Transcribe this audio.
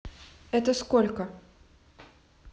это сколько